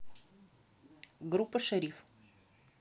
группа шериф